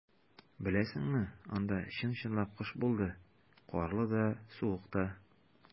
Беләсеңме, анда чын-чынлап кыш булды - карлы да, суык та.